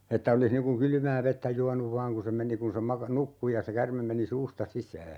että olisi niin kuin kylmää vettä juonut vain kun se meni kun se - nukkui ja se käärme meni suusta sisään